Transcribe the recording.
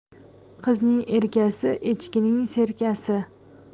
qizning erkasi echkining serkasi